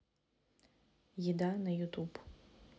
еда на ютуб